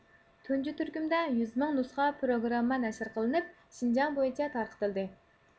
تۇنجى تۈركۈمدە يۈز مىڭ نۇسخا پروگرامما نەشر قىلىنىپ شىنجاڭ بويىچە تارقىتىلدى